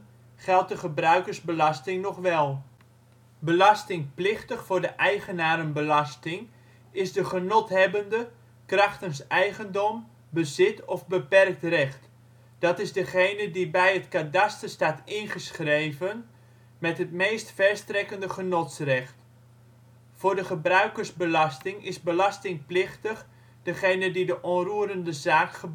geldt de gebruikersbelasting nog wel. Belastingplichtig voor de eigenarenbelasting is de genothebbende krachtens eigendom, bezit of beperkt recht. Dat is degene die bij het kadaster staat ingeschreven met het meest verstrekkende genotsrecht. Voor de gebruikersbelasting is belastingplichtig degene die de onroerende zaak